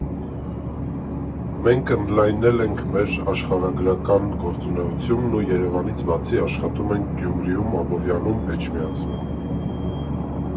Մենք ընդլայնել ենք մեր աշխարհագրական գործունեությունն ու Երևանից բացի աշխատում ենք Գյումրիում, Աբովյանում, Էջմիածնում։